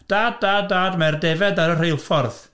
Dad! Dad! Dad! Mae'r defaid ar y rheilffordd.